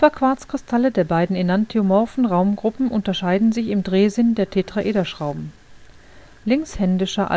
α-Quarzkristalle der beiden enantiomorphen Raumgruppen unterscheiden sich im Drehsinn der Tetraederschrauben. Linkshändischer